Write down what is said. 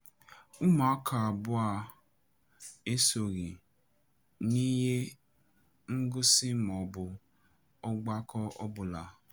“Ụmụaka abụọ a esoghị n'ihe ngosi maọbụ ọgbakọ ọbụla.